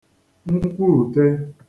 nkwuute